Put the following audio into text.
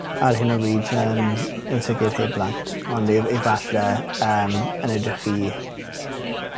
ar hyn o bryd yym yn sicir heb blant ond e- efalle yym yn edrych i